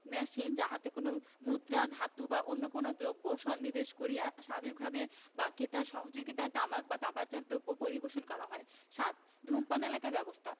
machine যাহাতে কোন মুদ্রা ধাতু বা অন্য কোন দ্রব্য সন্নিবেশ করাইয়া স্বাভাবিকভাবে বা ক্রেতার সহযোগিতায় তামাক বা তামাকজাত দ্রব্য পরিবেশন করা হয় ৭ ধূমপান এলাকার ব্যবস্থাঃ